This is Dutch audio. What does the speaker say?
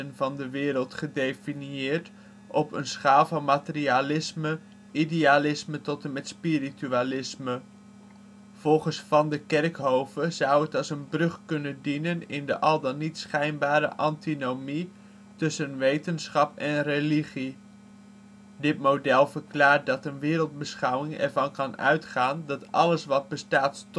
van de wereld gedefinieerd op een schaal van materialisme, idealisme tot en met spiritualisme. Volgens Vandekerkhove zou het als een brug kunnen dienen in de (al dan niet schijnbare) antinomie tussen wetenschap en religie. Dit model verklaart dat een wereldbeschouwing ervan kan uitgaan dat alles wat bestaat